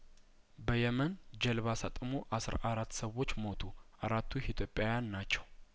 በየመን ጀልባ ሰጥሞ አስራ አራት ሰዎች ሞቱ አራቱ ኢትዮጵያውያን ናቸው